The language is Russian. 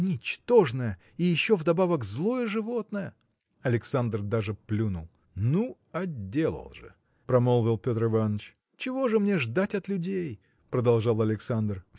– Ничтожное и еще вдобавок злое животное. Александр даже плюнул. – Ну, отделал же! – промолвил Петр Иваныч. – Чего же мне ждать от людей? – продолжал Александр.